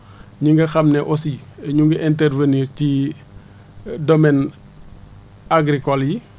ñi nga xam ne aussi ñu ngi intervenir ci domaine agricole yi